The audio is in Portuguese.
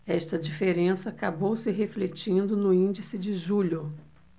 esta diferença acabou se refletindo no índice de julho